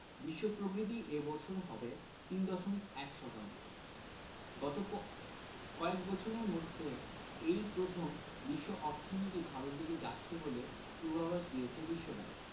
বিশ্ব প্রবৃদ্ধি এ বছর হবে ৩.১ শতাংশ গতো কয়েক বছরের মধ্যে এই প্রথম বিশ্ব অর্থনীতি ভালোর দিকে যাচ্ছে বলে পূর্বাভাস দিয়েছে বিশ্বব্যাংক